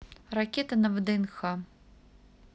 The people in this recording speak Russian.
ракета на вднх